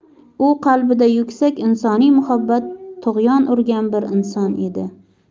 u qalbida yuksak insoniy muhabbat tug'yon urgan bir inson edi